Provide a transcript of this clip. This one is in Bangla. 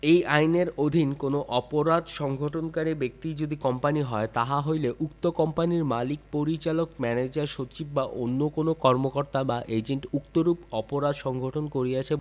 এই আইনের অধীন কোন অপরাধ সংঘটনকারী ব্যক্তি যদি কোম্পানী হয় তাহা হইলে উক্ত কোম্পানীর মালিক পরিচালক ম্যানেজার সচিব বা অন্য কোন কর্মকর্তা বা এজেন্ট উক্তরূপ অপরাধ সংঘটন করিয়াছে